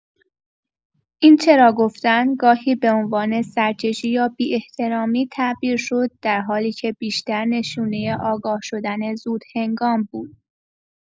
این «چرا» گفتن، گاهی به‌عنوان سرکشی یا بی‌احترامی تعبیر شد، در حالی که بیشتر نشونه آگاه شدن زودهنگام بود.